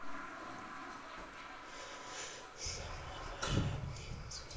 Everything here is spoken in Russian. самая большая птица